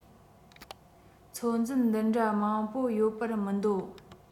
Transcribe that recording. ཚོད འཛིན འདི འདྲ མང བོ ཡོད པར མི འདོད